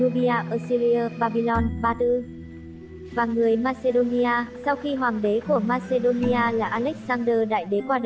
assyria babylon ba tư và người macedonia sau khi hoàng đế của macedonia là alexander đại đế qua đời